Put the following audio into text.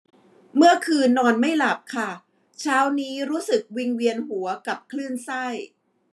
เมื่อคืนนอนไม่หลับค่ะเช้านี้รู้สึกวิงเวียนหัวกับคลื่นไส้